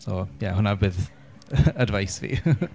So ie hwnna fydd advice fi .